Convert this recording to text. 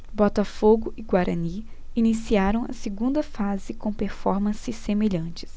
botafogo e guarani iniciaram a segunda fase com performances semelhantes